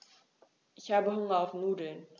Ich habe Hunger auf Nudeln.